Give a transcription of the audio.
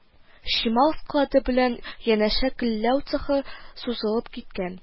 Чимал склады белән янәшә көлләү цехы сузылып киткән